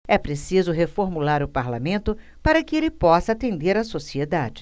é preciso reformular o parlamento para que ele possa atender a sociedade